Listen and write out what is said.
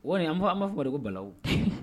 O an b'a fɔ de ko bala